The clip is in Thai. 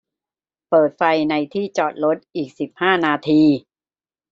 เปิดไฟในที่จอดรถอีกสิบห้านาที